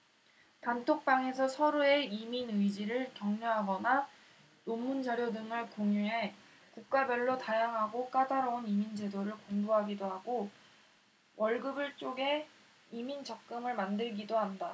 단톡방에서 서로의 이민 의지를 격려하거나 논문 자료 등을 공유해 국가별로 다양하고 까다로운 이민 제도를 공부하기도 하고 월급을 쪼개 이민 적금을 만들기도 한다